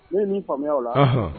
Ne ye min faamuya o la